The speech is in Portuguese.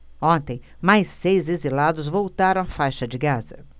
ontem mais seis exilados voltaram à faixa de gaza